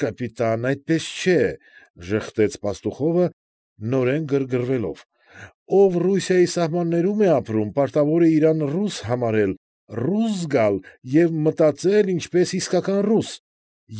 Կապիտան, այդպես չէ,֊ ժխտեց Պաստուխովը, նորեն գրգռվելով,֊ ով Ռուսիայի սահմաններում է ապրում, պարտավոր է իրան ռուս համարել, ռուս զգալ և մտածել ինչպես իսկական ռուս։